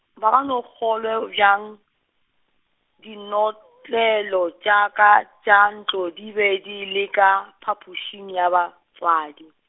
ba ka no nkgolwa bjang, dinotlelo tša ka tša ntlo di be di le ka, phapošing ya batswadi.